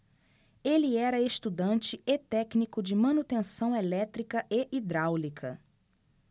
ele era estudante e técnico de manutenção elétrica e hidráulica